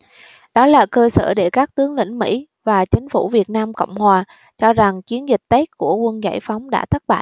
đó là cơ sở để các tướng lĩnh mỹ và chính phủ việt nam cộng hòa cho rằng chiến dịch tết của quân giải phóng đã thất bại